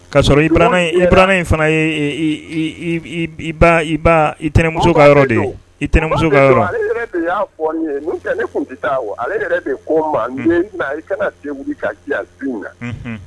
Ka sɔrɔ i buranna in fana ye i i ba, i ba i tɛnɛnmuso ka yɔrɔ de ye , i tɛnɛmuso ka yɔrɔ don, n ba de don ale yɛrɛ de y'a fɔ n ye, n'o tɛ ne kun tɛ wo, ale yɛrɛ de ko n ma nan n den i ka taa e wuli ka di yan. su in na.unhun